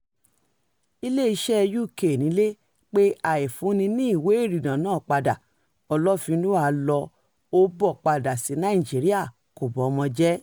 Ilé-iṣẹ́ UK Nílé pe àìfúni ní ìwé ìrìnnà náà padà. Ọlọ́finlúà lọ, ó bọ̀ padà sí Nàìjíríà, kò b'ọmọ jẹ́.